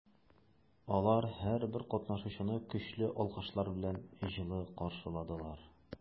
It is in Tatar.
Алар һәрбер катнашучыны көчле алкышлар белән җылы каршыладылар.